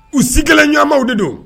U sin kelenɲɔgɔnmaw de don!